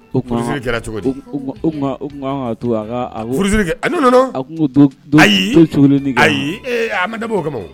Kosiri jara cogo to a nana ko to ayi ayi a ma dabɔ o kama